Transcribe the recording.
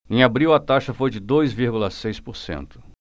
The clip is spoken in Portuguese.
em abril a taxa foi de dois vírgula seis por cento